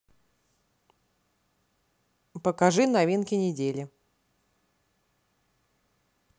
покажи новинки недели